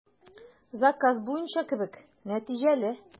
Заказ буенча кебек, нәтиҗәле.